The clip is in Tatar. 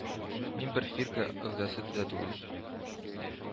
Мин бер фирка әгъзасы да түгел